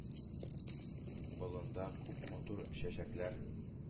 Болында күп матур чәчәкләр,